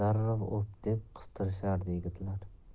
deb qistashardi yigitlar